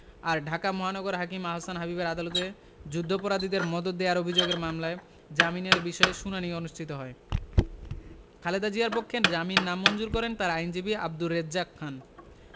আর ঢাকা মহানগর হাকিম আহসান হাবীবের আদালতে যুদ্ধাপরাধীদের মদদ দেওয়ার অভিযোগের মামলায় জামিনের বিষয়ে শুনানি অনুষ্ঠিত হয় খালেদা জিয়ার পক্ষে জামিন শুনানি করেন তার আইনজীবী আব্দুর রেজ্জাক খান